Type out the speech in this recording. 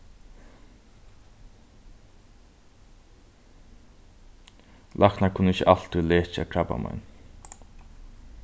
læknar kunnu ikki altíð lekja krabbamein